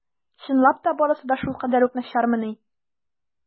Чынлап та барысы да шулкадәр үк начармыни?